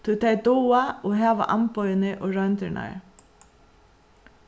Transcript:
tí tey duga og hava amboðini og royndirnar